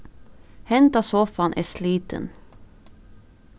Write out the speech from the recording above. hendan sofan er slitin